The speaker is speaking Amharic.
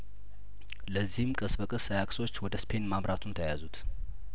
ለዚህም ቀስ በቀስ አያክሶች ወደ ስፔን ማምራቱን ተያያዙት